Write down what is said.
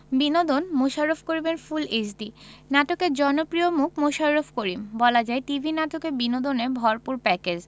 বিনোদন মোশাররফ করিমের full HD নাটকের জনপ্রিয় মুখ মোশাররফ করিম বলা যায় টিভি নাটকে বিনোদনে ভরপুর প্যাকেজ